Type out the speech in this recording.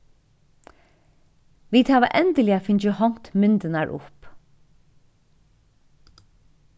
vit hava endiliga fingið hongt myndirnar upp